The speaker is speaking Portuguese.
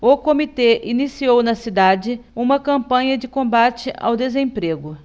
o comitê iniciou na cidade uma campanha de combate ao desemprego